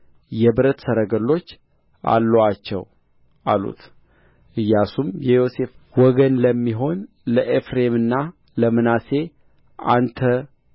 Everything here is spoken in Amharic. የብረት ሰረገሎች አላቸው አሉት ኢያሱም የዮሴፍ ወገን ለሚሆኑ ለኤፍሬምና ለምናሴ አንተ